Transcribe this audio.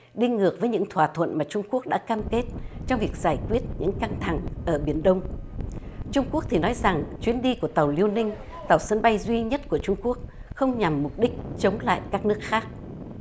đi ngược với những thỏa thuận mà trung quốc đã cam kết trong việc giải quyết những căng thẳng ở biển đông trung quốc thì nói rằng chuyến đi của tàu liêu ninh tàu sân bay duy nhất của trung quốc không nhằm mục đích chống lại các nước khác